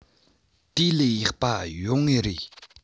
དེ ལས ཡག པ ཡོང ངེས རེད